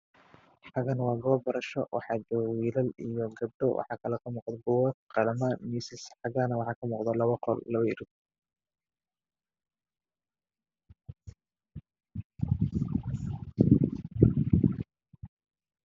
Halkaan waa goob wax barasho waxaa joogo wiilal iyo gabdho, waxaa kamuudo buugaag, qalimaan, miisas, labo qol iyo labo irid.